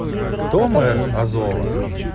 кто мэр азова